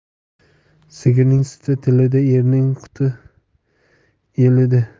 sigirning suti tilida erning quti elida